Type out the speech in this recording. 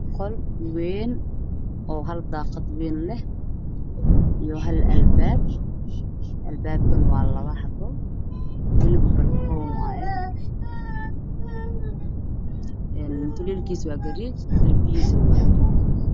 Qol wen oo hal daQad wen leh iyo hal albab albabkuna waa labo xabo walibo bala kon wayo en mutu lel kisu waa gudud darbigisu waa gudud